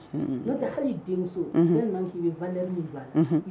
No tɛ hali denmuso Unhun tellement que valeur bi don a la Unhun